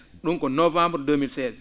?um ko novembre 2016